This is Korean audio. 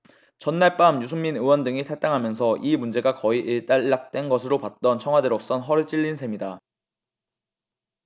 전날 밤 유승민 의원 등이 탈당하면서 이 문제가 거의 일단락된 것으로 봤던 청와대로선 허를 찔린 셈이다